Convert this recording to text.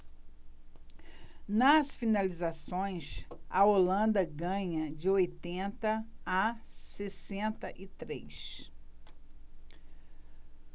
nas finalizações a holanda ganha de oitenta a sessenta e três